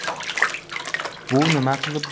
bu nima qiliq dedi